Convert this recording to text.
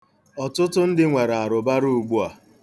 Ọtụtụ ndị nwere arụbara ugbua.